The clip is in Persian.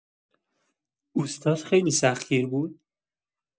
اوستات خیلی سخت‌گیر بود؟